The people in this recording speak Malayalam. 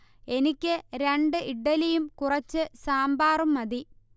എനിക്ക് രണ്ട് ഇഡ്ഢലിയും കുറച്ച് സാമ്പാറും മതി